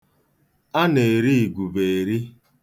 A na-eri igube eri.